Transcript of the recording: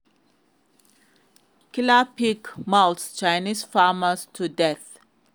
Killer Pig Mauls Chinese Farmer to Death